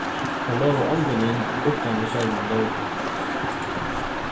teir lova ongum inn uttan við serligum loyvi